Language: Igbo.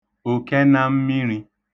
òkẹnammiṙī